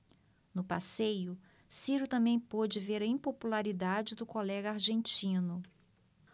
no passeio ciro também pôde ver a impopularidade do colega argentino